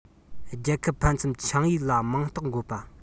རྒྱལ ཁབ ཕན ཚུན ཆིངས ཡིག ལ མིང རྟགས འགོད པ